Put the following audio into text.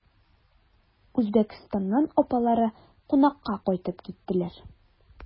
Үзбәкстаннан апалары кунакка кайтып киттеләр.